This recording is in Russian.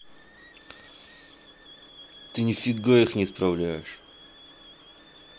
ты нифига их не исправляешь